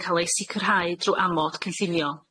yn ca'l eu sicrhau drw amod cynllunio.